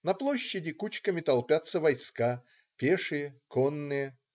На площади кучками толпятся войска: пешие, конные.